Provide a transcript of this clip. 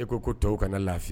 E ko tow ka lafiya